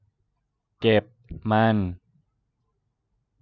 เก็บมัน